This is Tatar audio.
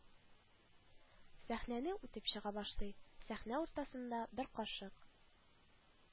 Сәхнәне үтеп чыга башлый, сәхнә уртасында бер кашык